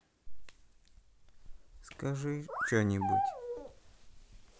скажи че нибудь